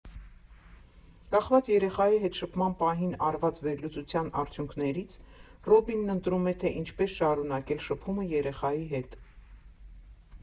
Կախված երեխայի հետ շփման պահին արված վերլուծության արդյունքներից՝ Ռոբինն ընտրում է, թե ինչպես շարունակել շփումը երեխայի հետ։